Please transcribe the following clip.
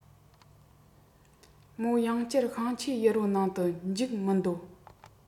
མོ ཡང བསྐྱར བཤངས ཆུའི ཡུར བུ ནང དུ འཇུག མི འདོད